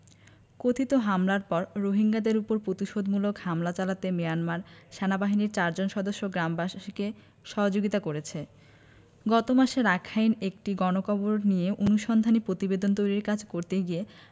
কথিত হামলার পর রোহিঙ্গাদের ওপর প্রতিশোধমূলক হামলা চালাতে মিয়ানমার সেনাবাহিনীর চারজন সদস্য গ্রামবাসীকে সহযোগিতা করেছে গত মাসে রাখাইনে একটি গণকবর নিয়ে অনুসন্ধানী প্রতিবেদন তৈরির কাজ করতে গিয়ে